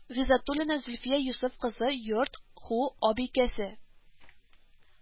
Гыйззәтуллина Зөлфия Йосыф кызы йорт ху абикәсе